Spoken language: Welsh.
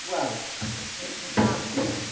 Wel m- n- nadi